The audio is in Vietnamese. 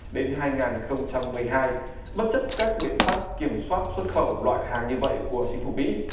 đến hai ngàn không trăm mười hai bất chấp các biện pháp kiểm soát xuất khẩu loại hàng như vậy của chính phủ mỹ